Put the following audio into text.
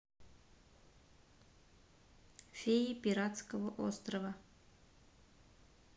феи пиратского острова